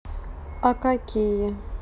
а какие